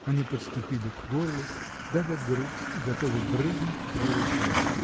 они подступили к горлу, давят грудь и готовы брызнуть в три ручья